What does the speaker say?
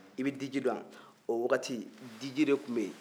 i bɛ diji dɔn wa o wagati diji de tun bɛ yen